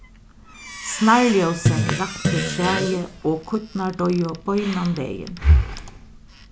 snarljósið rakti træið og kýrnar doyðu beinanvegin